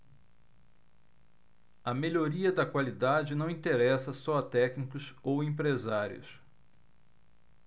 a melhoria da qualidade não interessa só a técnicos ou empresários